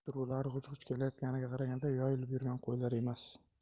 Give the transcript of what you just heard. suruvlar g'uj g'uj kelayotganiga qaraganda yoyilib yurgan qo'ylar emas